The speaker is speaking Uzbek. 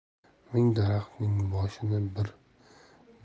ming daraxtning boshini